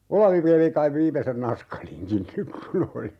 Olavi vei ne kai viimeisen naskalinkin nyt kun oli